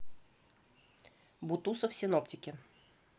бутусов синоптики